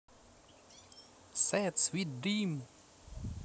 sad sweet dream